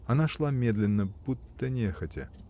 Она шла медленно, будто нехотя.